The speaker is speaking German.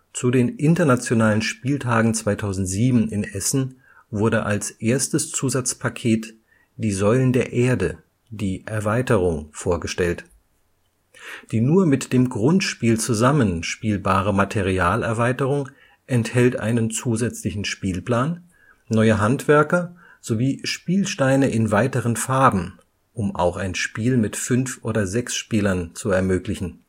Zu den internationalen Spieltagen 2007 in Essen wurde als erstes Zusatzpaket Die Säulen der Erde – Die Erweiterung vorgestellt. Die nur mit dem Grundspiel zusammen spielbare Materialerweiterung enthält einen zusätzlichen Spielplan, neue Handwerker sowie Spielsteine in weiteren Farben, um auch ein Spiel mit fünf oder sechs Spielern zu ermöglichen